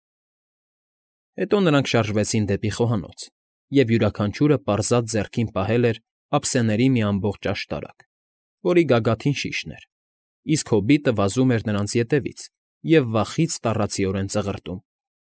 Հետո նրանք շարժվեցին դեպի խոհանոց, և յուրաքանչյուրը պարզած ձեռքին պահել էր ափսեների մի ամբողջ աշտարակ, որի գագաթին շիշն էր, իսկ հոբիտը վազում էր նրանց ետևից և վախից տառացիորեն ծղրտում.